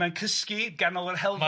Ma'n cysgu ganol yr helfa.